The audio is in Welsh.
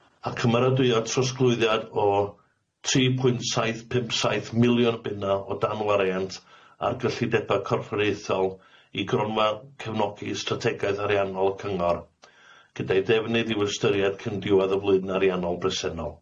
A cymeradwyo trosglwyddiad o tri pwynt saith pump saith miliwn bunna o danwariant ar gyllideba corfforaethol i gronfa cefnogi strategaeth ariannol cyngor gyda'i ddefnydd iw ystyriad cyn diwadd y flwyddyn ariannol bresennol.